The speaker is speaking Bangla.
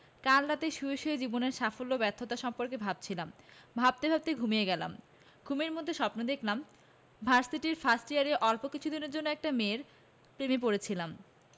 কাল রাতে শুয়ে শুয়ে জীবনের সাফল্য ব্যর্থতা সম্পর্কে ভাবছিলাম ভাবতে ভাবতে ঘুমিয়ে গেলাম ঘুমের মধ্যে স্বপ্ন দেখলাম ভার্সিটির ফার্স্ট ইয়ারে অল্প কিছুদিনের জন্য একটা মেয়ের প্রেমে পড়েছিলাম